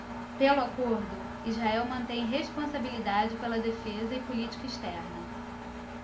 pelo acordo israel mantém responsabilidade pela defesa e política externa